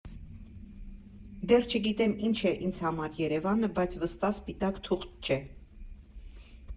Դեռ չգիտեմ՝ ինչ է ինձ համար Երևանը, բայց վստահ սպիտակ թուղթ չէ։